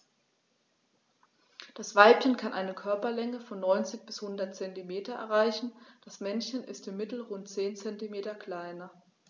Das Weibchen kann eine Körperlänge von 90-100 cm erreichen; das Männchen ist im Mittel rund 10 cm kleiner.